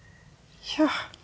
ja.